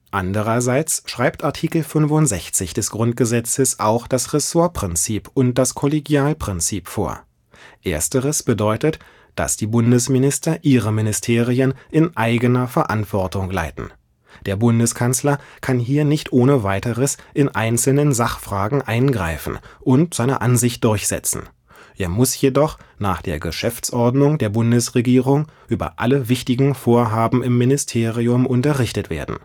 Andererseits schreibt Artikel 65 des Grundgesetzes auch das Ressortprinzip (Satz 2) und das Kollegialprinzip (Satz 3) vor. Ersteres bedeutet, dass die Bundesminister ihre Ministerien in eigener Verantwortung leiten. Der Bundeskanzler kann hier nicht ohne weiteres in einzelnen Sachfragen eingreifen und seine Ansicht durchsetzen. Er muss jedoch nach der Geschäftsordnung der Bundesregierung über alle wichtigen Vorhaben im Ministerium unterrichtet werden